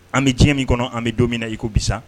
An bɛ diɲɛ min kɔnɔ an bɛ don min na i ko bisa